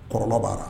Kɔrɔ b'a la